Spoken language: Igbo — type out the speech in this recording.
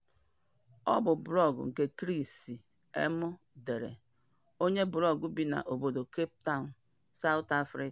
Ọ bụ blọọgụ nke Chris M dere, onye blọọgụ bi n'obodo Cape Town, South Africa.